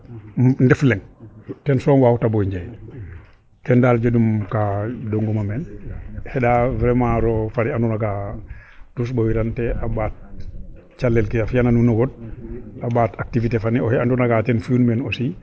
Ndef leŋ ten soom ten daal jegum ka ɗonguma meen xeɗa vraiment roog fe andoona yee tus ɓoowiran ta a ɓaat calel ke a fi'an a nuun o wod a ɓaat activité fa ne oxe andoona yee ten fi'un meen aussi.